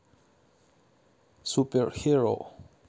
супер херо